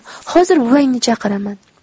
hozir buvangni chaqiraman